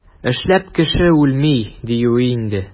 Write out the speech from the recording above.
Эшләп кеше үлми, диюе инде.